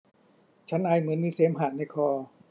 ฉันไอเหมือนมีเสมหะในคอ